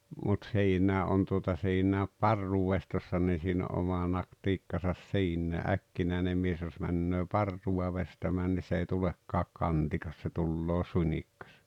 mutta siinäkin - on tuota siinäkin parrunveistossa niin siinä on oma taktiikkansa siinä äkkinäinen mies jos menee parrua veistämään niin se ei tulekaan kantikas se tulee suunnikas